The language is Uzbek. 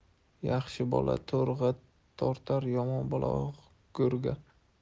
yaxshi bola to'rga tortar yomon bola go'rga